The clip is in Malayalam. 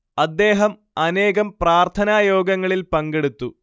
അദ്ദേഹം അനേകം പ്രാർത്ഥനാ യോഗങ്ങളിൽ പങ്കെടുത്തു